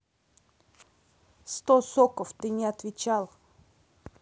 сто соков ты не отвечал